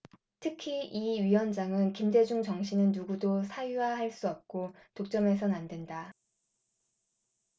특히 이 위원장은 김대중 정신은 누구도 사유화 할 수 없고 독점해선 안 된다